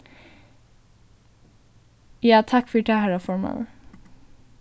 ja takk fyri tað harra formaður